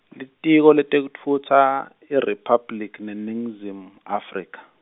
Litiko letekutfutsa IRiphabliki yeNingizimu Afrika.